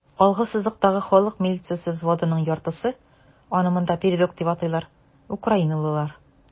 Алгы сызыктагы халык милициясе взводының яртысы (аны монда "передок" дип атыйлар) - украиналылар.